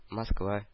Москва